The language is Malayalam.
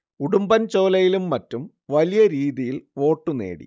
ഉടുമ്പന്‍ ചോലയിലും മറ്റും വലിയ രീതിയിൽ വോട്ട് നേടി